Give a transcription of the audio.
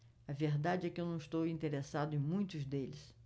a verdade é que não estou interessado em muitos deles